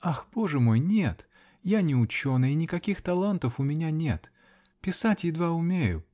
Ах, боже мой, нет -- я не учена, и никаких талантов у меня нет. Писать едва умею.